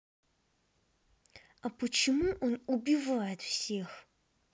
а почему он убивает всех